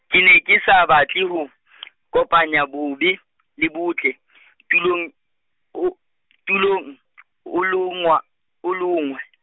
ke ne ke sa batle ho , kopanya bobe, le botle , tulong o, tulong , o longwa-, o lo nngwe.